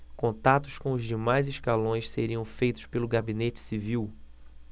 contatos com demais escalões seriam feitos pelo gabinete civil